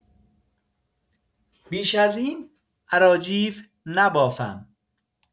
بیش از این اراجیف نبافم.